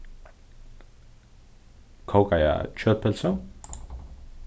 kókaða kjøtpylsu